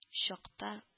Чакта